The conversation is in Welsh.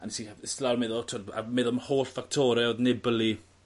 A nes i ista lawr meddwl a t'wod a meddwl am holl factore o'dd Nibali